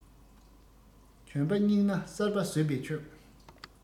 གྱོན པ རྙིངས ན གསར པ བཟོས པས ཆོག